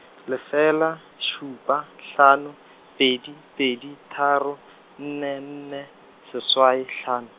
lefela, šupa, hlano, pedi, pedi tharo, nne nne, seswai hlano.